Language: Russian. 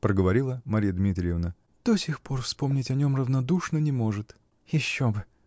-- проговорила Марья Дмитриевна, -- до сих пор вспомнить о нем равнодушно не может. -- Еще бы!